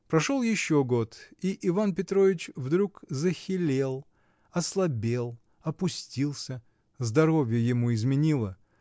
Прошел еще год, и Иван Петрович вдруг захилел, ослабел, опустился здоровье ему изменило.